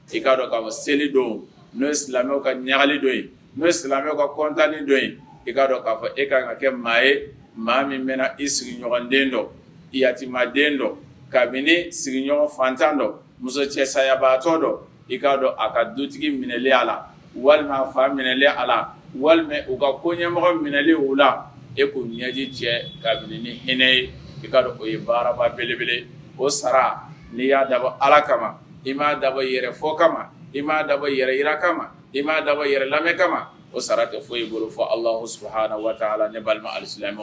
I kaa dɔn k'a fɔ seli don n'o ye silamɛ ka ɲagali dɔ yen n'o silamɛ ka kɔntanli don ye i'a dɔn k'a fɔ e ka ka kɛ maa ye maa min bɛ i sigiɲɔgɔn den dɔ yatima den dɔ kabini sigiɲɔgɔn fatan dɔ muso cɛ sayabaatɔ dɔn i k'a dɔn a ka dutigi minɛle a la walima aa fa minɛle a la walima u ka ko ɲɛmɔgɔ minɛli o la e k'o ɲɛji cɛ kabini ni hinɛ ne ye i kaa dɔn o ye baaraba belebele o sara n'i y'a dabɔ ala kama i m'a dabɔ yɛrɛ fɔ kama i m'a dabɔ yɛrɛ yira kamama i m'a dabɔ yɛrɛ lamɛnmɛ kama o sara kɛ foyi ye bolo ala suhara waati a ni balima alisila